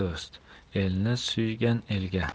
do'st elni suygan elga